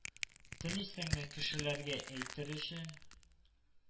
Телисеңме, кешеләргә әйтер өчен